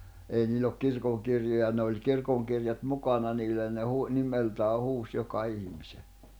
ei niillä ole kirkonkirjoja ne oli kirkonkirjat mukana niillä ja ne - nimeltään huusi joka ihmisen